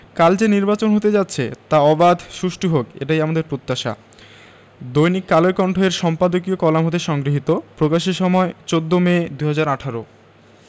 কাল যে নির্বাচন হতে যাচ্ছে তা অবাধ সুষ্ঠু হোক এটাই আমাদের প্রত্যাশা দৈনিক কালের কণ্ঠ এর সম্পাদকীয় কলাম হতে সংগৃহীত প্রকাশের সময় ১৪ মে ২০১৮